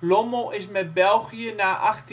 Lommel is met België na